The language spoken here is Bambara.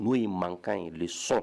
N'o ye mankan ye le sɔn